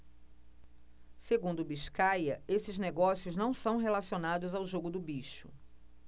segundo biscaia esses negócios não são relacionados ao jogo do bicho